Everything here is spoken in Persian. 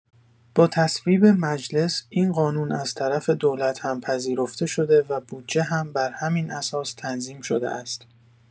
با تصویب مجلس، این قانون از طرف دولت هم پذیرفته شده و بودجه هم بر همین اساس تنظیم شده است.